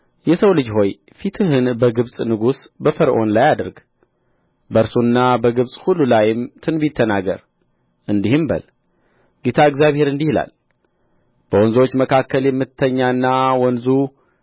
የሰው ልጅ ሆይ ፊትህን በግብጽ ንጉሥ በፈርዖን ላይ አድርግ በእርሱና በግብጽ ሁሉ ላይም ትንቢት ተናገር እንዲህም በል ጌታ እግዚአብሔር እንዲህ ይላል በወንዞች መካከል የምትተኛና ወንዙ